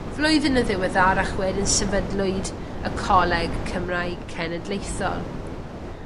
Flwyddyn yn ddiweddarach wedyn sefydlwyd y Coleg Cymraeg Cenedlaethol.